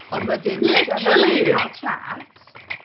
Ond wedyn... Literally... i gael chat.